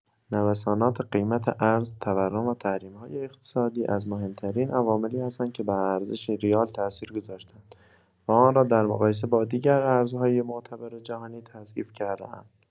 نوسانات قیمت ارز، تورم و تحریم‌های اقتصادی از مهم‌ترین عواملی هستند که بر ارزش ریال تأثیر گذاشته‌اند و آن را در مقایسه با دیگر ارزهای معتبر جهانی تضعیف کرده‌اند.